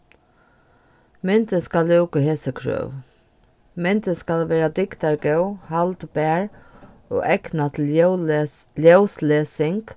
myndin skal lúka hesi krøv myndin skal vera dygdargóð haldbar og egnað til ljóslesing